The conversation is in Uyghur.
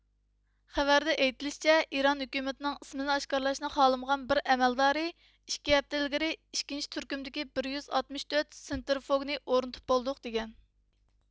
خەۋەردە ئېيتىلىشىچە ئىران ھۆكۈمىتىنىڭ ئىسمىنى ئاشكارىلاشنى خالىمىغان بىر ئەمەلدارى ئىككى ھەپتە ئىلگىرى ئىككىنچى تۈركۈمدىكى بىر يۈز ئاتمىش تۆت سېنترىفۇگنى ئورنىتىپ بولدۇق دېگەن